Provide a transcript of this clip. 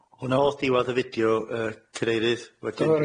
Hwnna o'dd diwadd y fideo yyy cyrheiddydd wedyn.